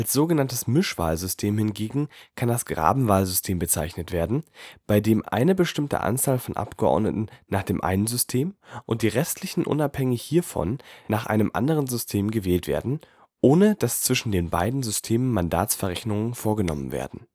sogenanntes Mischwahlsystem hingegen kann das Grabenwahlsystem bezeichnet werden, bei dem eine bestimmte Anzahl von Abgeordneten nach dem einen System und die restlichen unabhängig hiervon nach einem anderen System gewählt werden, ohne dass zwischen den beiden Systemen Mandatsverrechnungen vorgenommen werden